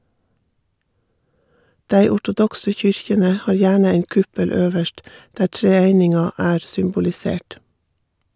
Dei ortodokse kyrkjene har gjerne ein kuppel øverst, der treeininga er symbolisert.